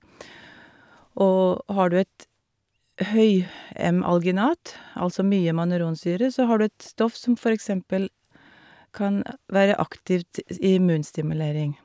Og har du et høy-M-alginat, altså mye mannuronsyre, så har du et stoff som for eksempel kan være aktivt s i immunstimulering.